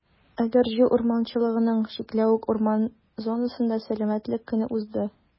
Әгерҗе урманчылыгының «Чикләвек» урман зонасында Сәламәтлек көне узды.